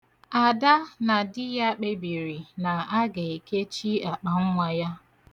Ada na di ya kpebiri na a ga-ekechi akpannwa ya.